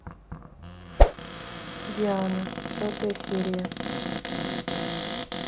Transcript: диана сотая серия